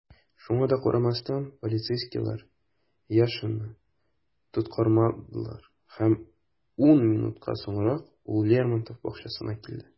Шуңа да карамастан, полицейскийлар Яшинны тоткарламадылар - һәм ун минутка соңарып, ул Лермонтов бакчасына килде.